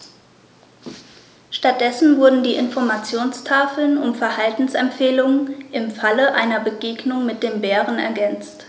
Stattdessen wurden die Informationstafeln um Verhaltensempfehlungen im Falle einer Begegnung mit dem Bären ergänzt.